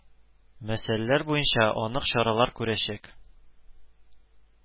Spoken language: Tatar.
Мәсьәләләр буенча анык чаралар күрәчәк